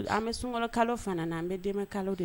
An bɛ sun kalo fana na, an bɛ dɛmɛn kalo de